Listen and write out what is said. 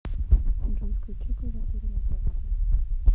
джой включи клавиатуру на браузере